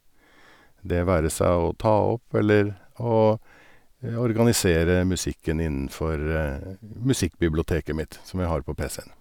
Det være seg å ta opp eller å organisere musikken innenfor musikkbiblioteket mitt, som jeg har på PC-en.